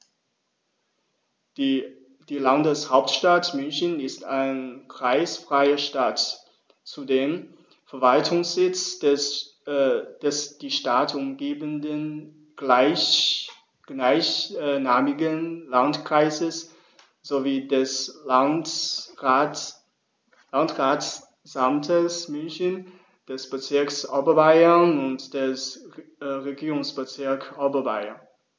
Die Landeshauptstadt München ist eine kreisfreie Stadt, zudem Verwaltungssitz des die Stadt umgebenden gleichnamigen Landkreises sowie des Landratsamtes München, des Bezirks Oberbayern und des Regierungsbezirks Oberbayern.